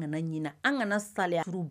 An kana sauru